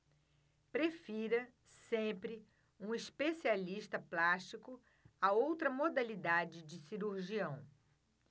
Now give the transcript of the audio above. prefira sempre um especialista plástico a outra modalidade de cirurgião